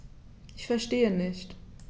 Ich verstehe nicht.